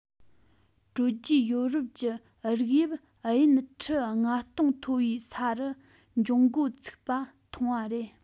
དྲོད རྒྱུད ཡོ རོབ ཀྱི རིགས དབྱིབས དབྱིན ཁྲི ལྔ སྟོང མཐོ བའི ས རུ འབྱུང མགོ ཚུགས པ མཐོང བ རེད